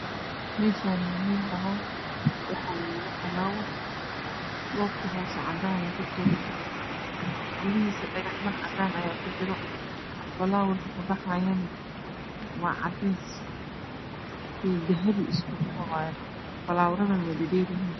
Meshan waa meel banaan waxaa yaalo falaawar dhulka house cadn ayookakoban yhy gu doheesa dhinac dhan cadanaa kujiro falaawar ka baxayan waa cadeys iyo dahabi iskujiro falaawaradne wey badanyihiin